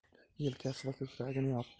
yelkasi va ko'kragini yopib